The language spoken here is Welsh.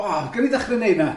O, gawn ni ddechre wneud na?